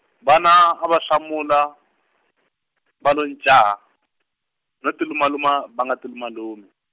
vana a va hlamula, va lo nchaa, no tilumaluma va nga tilumalumi.